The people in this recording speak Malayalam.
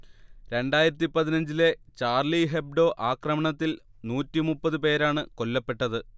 രണ്ടായിരത്തി പതിനഞ്ചിലെ ചാർളി ഹെബ്ഡോ ആക്രമണത്തിൽ നൂറ്റി മുപ്പത് പേരാണ് കൊല്ലപ്പെട്ടത്